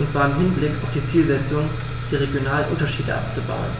und zwar im Hinblick auf die Zielsetzung, die regionalen Unterschiede abzubauen.